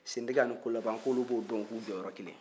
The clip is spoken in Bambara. sentɛgɛ ani ko laban k'olu b'o dɔn k'i jɔ yɔrɔ kelen